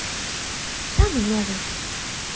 самый новый